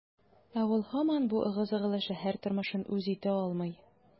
Ә ул һаман бу ыгы-зыгылы шәһәр тормышын үз итә алмый.